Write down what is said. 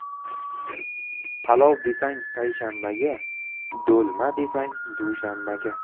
palov desang payshanbaga do'lma desang dushanbaga